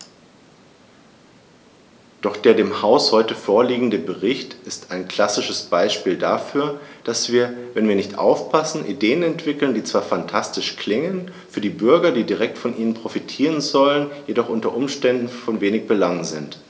Doch der dem Haus heute vorliegende Bericht ist ein klassisches Beispiel dafür, dass wir, wenn wir nicht aufpassen, Ideen entwickeln, die zwar phantastisch klingen, für die Bürger, die direkt von ihnen profitieren sollen, jedoch u. U. von wenig Belang sind.